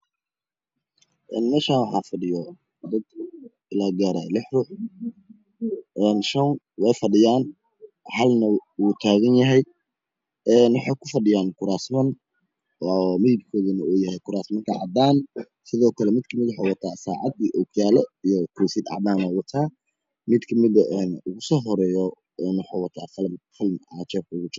Meshaan xaafadhiya dad ilaa gaaryo lixqof shan way fadhiyaan halna wutaganyahy een waxay ku fadhiyankuraas wan midabkodyahy cadaan nika midkamid ah waxuwataa sacad iyo ookiyalo koofi cadaanah midkamida midka ugu sohoreyo waxaa jebka ugu jiro qalin